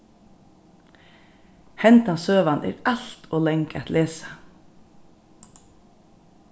hendan søgan er alt ov lang at lesa